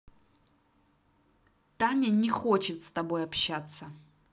таня не хочет с тобой общаться